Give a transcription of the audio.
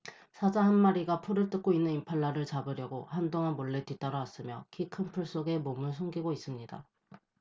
사자 한 마리가 풀을 뜯고 있는 임팔라를 잡으려고 한동안 몰래 뒤따라왔으며 키 큰 풀 속에 몸을 숨기고 있습니다